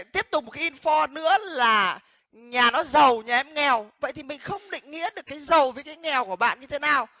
tiếp tục in pho nữa là nhà nó giàu nhà em nghèo vậy thì mình không định nghĩa được cái giàu với cái nghèo của bạn như thế nào